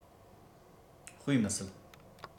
དཔེ མི སྲིད